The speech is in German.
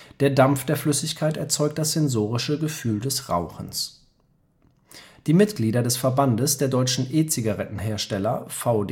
Der Dampf der Flüssigkeit erzeugt das sensorische Gefühl des Rauchens. Die Mitglieder des Verbands der deutschen E-Zigarettenhersteller (VdeH